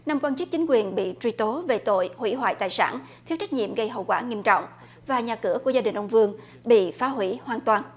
năm quan chức chính quyền bị truy tố về tội hủy hoại tài sản thiếu trách nhiệm gây hậu quả nghiêm trọng và nhà cửa của gia đình ông vương bị phá hủy hoàn toàn